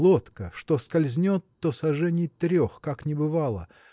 Лодка – что скользнет, то саженей трех как не бывало.